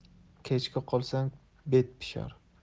kechga qolsang bet pishar